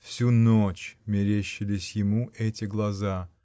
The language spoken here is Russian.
Всю ночь мерещились ему эти глаза.